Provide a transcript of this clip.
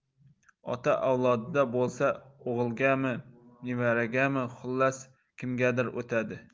ota avlodida bo'lsa o'g'ilgami nevaragami xullas kimgadir o'tadi